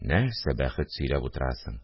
Нәрсә бәхет сөйләп утырасың